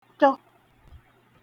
chtọ